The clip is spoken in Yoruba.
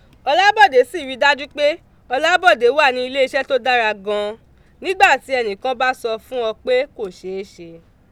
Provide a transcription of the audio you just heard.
Ọlábọ̀dé sì rí i dájú pé Ọlábọ̀dé wà ní iléeṣẹ́ tó dára gan an, nígbà tí ẹnì kan bá sọ fún ọ pé kò ṣeé ṣe.